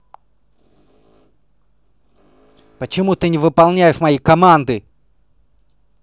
почему ты не выполняешь мои команды